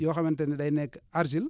yoo xamante ne day nekk argile